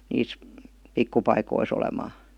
niissä pikkupaikoissa olemaan